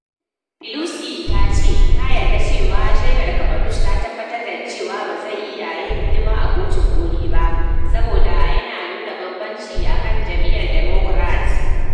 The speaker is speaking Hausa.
Pelosi tace ta yarda cewa shaidar Kavanaugh ta tabbatar da cewa bazai iya yin hidima a kotun koli ba, saboda yana nuna bambanci akan yan jam’iyyar Democrat.